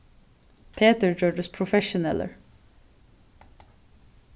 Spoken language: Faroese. petur gjørdist professionellur